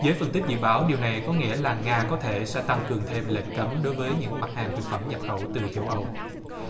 giới phân tích dự báo điều này có nghĩa là nga có thể sẽ tăng cường thêm lệnh cấm đối với những mặt hàng thực phẩm nhập khẩu từ châu âu